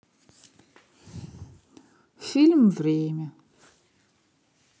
фильм время